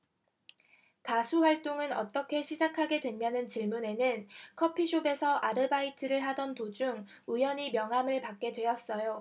가수 활동은 어떻게 시작하게 됐냐는 질문에는 커피숍에서 아르바이트를 하던 도중 우연히 명함을 받게 됐어요